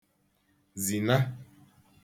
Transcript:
zìna